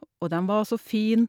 Og dem var så fin.